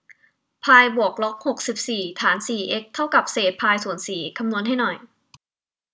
พายบวกล็อกหกสิบสี่ฐานสี่เอ็กซ์เท่ากับเศษพายส่วนสี่คำนวณให้หน่อย